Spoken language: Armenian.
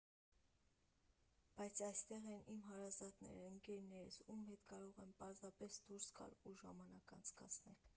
Բայց այստեղ են իմ հարազատները, ընկերներս, ում հետ կարող եմ պարզապես դուրս գալ ու ժամանակ անցկացնել։